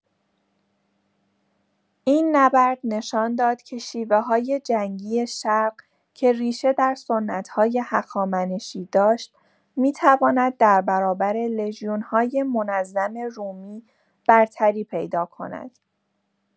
این نبرد نشان داد که شیوه‌های جنگی شرق، که ریشه در سنت‌های هخامنشی داشت، می‌تواند در برابر لژیون‌های منظم رومی برتری پیدا کند.